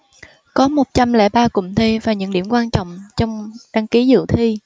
có một trăm lẻ ba cụm thi và những điểm quan trọng trong đăng ký dự thi